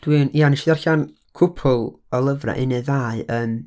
Dwi'n, ia, wnes i ddarllen cwpwl o lyfrau, un neu ddau yn...